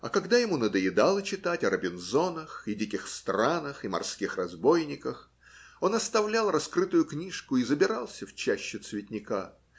А когда ему надоедало читать о Робинзонах, и диких странах, и морских разбойниках, он оставлял раскрытую книжку и забирался в чащу цветника.